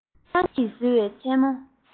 ཆང གིས བཟི བའི མཚན མོ